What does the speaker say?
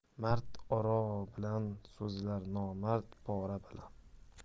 mard oro bilan so'zlar nomard pora bilan